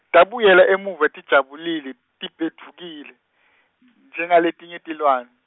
Tabuyela emuva tijabule tibhedvukile n- njengaletinye tilwane.